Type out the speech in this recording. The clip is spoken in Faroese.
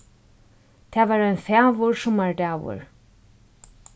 tað var ein fagur summardagur